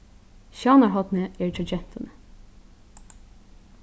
sjónarhornið er hjá gentuni